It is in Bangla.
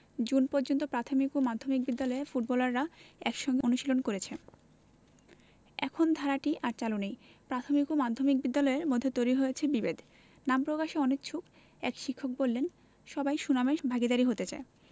জুন পর্যন্ত প্রাথমিক ও মাধ্যমিক বিদ্যালয়ের ফুটবলাররা একসঙ্গে অনুশীলন করেছে এখন ধারাটি আর চালু নেই প্রাথমিক ও মাধ্যমিক বিদ্যালয়ের মধ্যে তৈরি হয়েছে বিভেদ নাম প্রকাশে অনিচ্ছুক এক শিক্ষক বললেন সবাই সুনামের ভাগীদার হতে চায়